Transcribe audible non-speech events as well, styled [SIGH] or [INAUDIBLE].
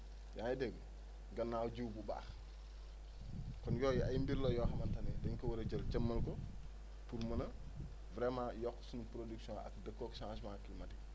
yaa ngi dégg gannaaw jiw bu baax kon yooyu ay mbir la [NOISE] yoo xamante ne dañ ko war a jël jëmmal ko ngir mun a vraiment yokk suñu production ak dëppoo ak changement climatique bi